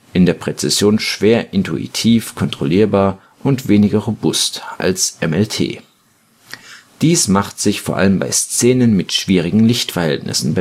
in der Präzision schwer intuitiv kontrollierbar und weniger robust als MLT. Dies macht sich vor allem bei Szenen mit schwierigen Lichtverhältnissen